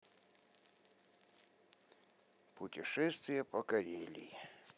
путешествие по карелии